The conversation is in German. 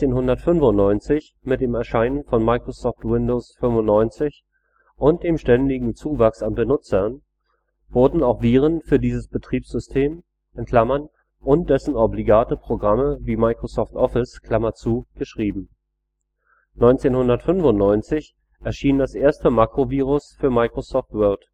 1995, mit dem Erscheinen von Microsoft Windows 95 und dem ständigen Zuwachs an Benutzern, wurden auch Viren für dieses Betriebssystem (und dessen obligate Programme wie Microsoft Office) geschrieben. 1995 erschien das erste Makrovirus für Microsoft Word